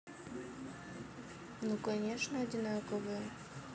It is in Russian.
ну конечно одинаковые